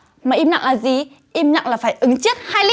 mà im lặng là gì im lặng là phải ứng trước hai lít